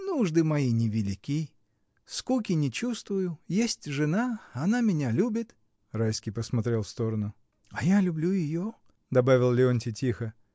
Нужды мои не велики, скуки не чувствую; есть жена: она меня любит. Райский посмотрел в сторону. — А я люблю ее. — добавил Леонтий тихо.